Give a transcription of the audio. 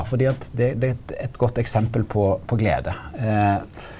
fordi at det det er eit godt eksempel på på glede .